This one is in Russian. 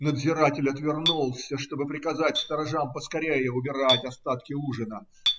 Надзиратель отвернулся, чтобы приказать сторожам поскорее убирать остатки ужина.